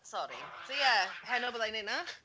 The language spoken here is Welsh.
Sori. So ie, heno fydda i'n wneud 'na.